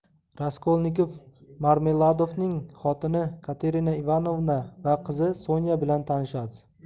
raskolnikov marmeladovning xotini katerina ivanovna va qizi sonya bilan tanishadi